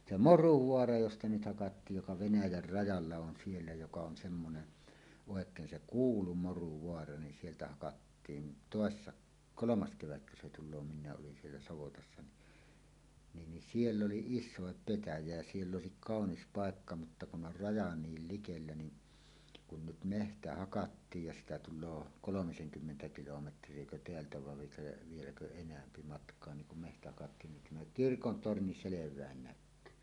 se Moruvaara josta nyt hakattiin joka Venäjän rajalla on siellä joka on semmoinen oikein se kuulu Moruvaara niin sieltä hakattiin toissa kolmas kevätkö se tulee minäkin olin siellä savotassa niin niin niin siellä oli isokin petäjä ja siellä olisi kaunis paikka mutta kun on raja niin likellä niin kun nyt metsä hakattiin ja siitä tulee kolmisenkymmentä kilometriäkö täältä vaan - vieläkö enempi matkaa niin kun metsä hakattiin niin tämä kirkon torni selvästi näkyy